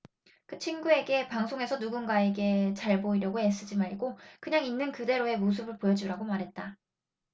그 친구에게 방송에서 누군가에게 잘 보이려고 애쓰지 말고 그냥 있는 그대로의 모습을 보여 주라고 말했다